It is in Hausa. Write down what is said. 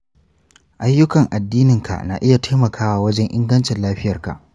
ayyukan addininka na iya taimakawa wajen ingancin lafiyarka.